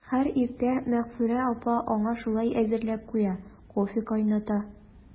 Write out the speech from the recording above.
Һәр иртә Мәгъфүрә апа аңа шулай әзерләп куя, кофе кайната.